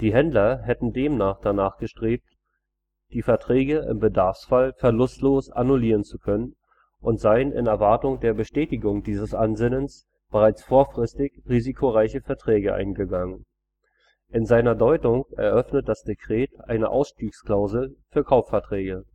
Händler hätten demnach danach gestrebt, die Verträge im Bedarfsfall verlustlos annullieren zu können, und seien in Erwartung der Bestätigung dieses Ansinnens bereits vorfristig risikoreiche Verträge eingegangen. In seiner Deutung eröffnet das Dekret eine Ausstiegsklausel für Kaufverträge